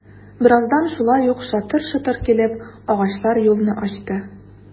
Бераздан шулай ук шатыр-шотыр килеп, агачлар юлны ачты...